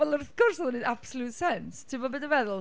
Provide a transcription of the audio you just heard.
Wel wrth gwrs oedd o’n wneud absolute sense. Tibod be dwi’n feddwl?